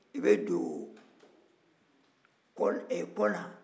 i bɛ don ɛɛ kɔna